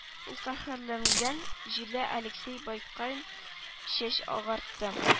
Ул каһәрләнгән җирдә алексей байтак чәч агартты